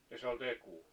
ja se oli tekoa